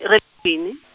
ra -dlwini.